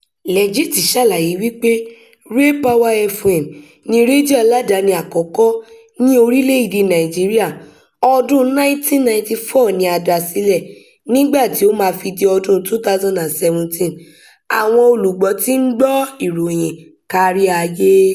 Legit ṣàlàyé wípé RayPower FM, ni rédíò aládàáni àkọ́kọ́ ní orílẹ̀-èdèe Nàìjíríà, ọdún-un 1994 ni a dá a sílẹ̀, nígbàtí ó mmáa fi di ọdún-un 2007, àwọn olùgbọ́ ti ń gbọ́ ìròyìn kárí ayé.